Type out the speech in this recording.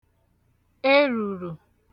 èrùrù